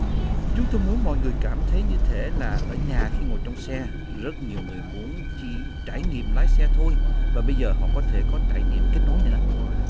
chúng tôi muốn mọi người cảm thấy như thể là ở nhà khi ngồi trong xe rất nhiều người muốn trải nghiệm lái xe thôi và bây giờ họ có thể có trải nghiệm kết nối nữa